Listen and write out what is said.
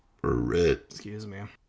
Excuse me.